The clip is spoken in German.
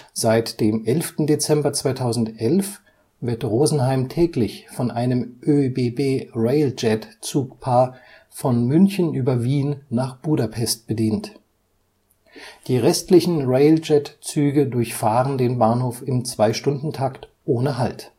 Seit dem 11. Dezember 2011 wird Rosenheim täglich von einem ÖBB-railjet-Zugpaar von München über Wien nach Budapest bedient. Die restlichen railjet-Züge durchfahren den Bahnhof im Zweistundentakt ohne Halt